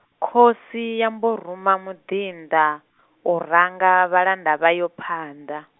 khosi yambo ruma muḓinḓa, u ranga vhalanda vhayo phanḓa.